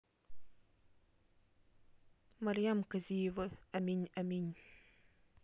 марьям казиева аминь аминь